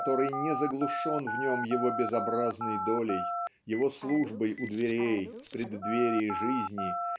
который не заглушен в нем его безобразной долей его службой у дверей в преддверии жизни